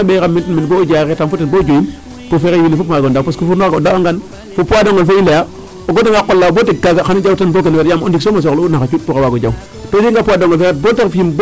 Pour ɓeeraam fo ten bo o Diarekh, retaam fo tem bo o Joyin so fexey wiin we fop a mbaag o ndaaw parce fourneaux laago o daawangaan fo poids d' ang ole fe i layaa o godanga qol laa bo teg kaaga xan o jawtan bo genwal yaam o ndik soom a soxla'u na xa cuuɗ pour a waag o jaw to o jeganga poids d' angole fee bata fi'in boo .